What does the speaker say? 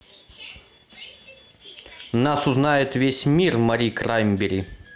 нас узнает весь мир мари краймбери